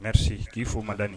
K'i fɔo mad